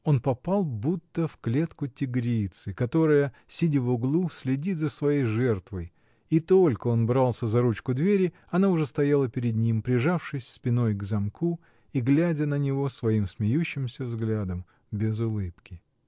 Он попал будто в клетку тигрицы, которая, сидя в углу, следит за своей жертвой: и только он брался за ручку двери, она уже стояла перед ним, прижавшись спиной к замку и глядя на него своим смеющимся взглядом без улыбки.